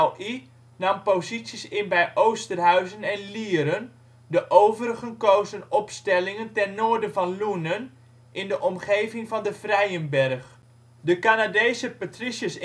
PPCLI nam posities in bij Oosterhuizen en Lieren, de overigen kozen opstellingen ten noorden van Loenen in de omgeving van de Vrijenberg. De Canadese ‘Patricia’ s Infantry